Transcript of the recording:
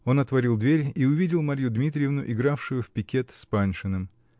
он отворил дверь и увидел Марью Дмитриевну, игравшую в пикет с Паншиным.